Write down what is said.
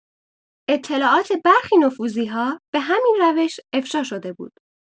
اطلاعات برخی نفوذی‌ها به همین روش افشا شده بود.